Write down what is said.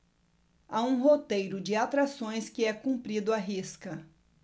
há um roteiro de atrações que é cumprido à risca